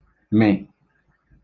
mị̀